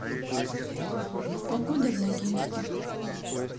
погода в ногинске